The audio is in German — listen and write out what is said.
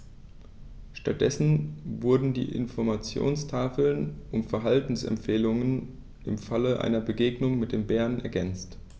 Stattdessen wurden die Informationstafeln um Verhaltensempfehlungen im Falle einer Begegnung mit dem Bären ergänzt.